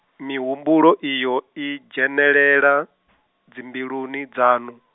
mihumbulo iyo i dzhenelela, dzimbiluni dzaṋu?